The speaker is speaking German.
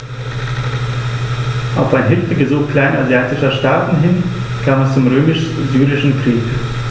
Auf ein Hilfegesuch kleinasiatischer Staaten hin kam es zum Römisch-Syrischen Krieg.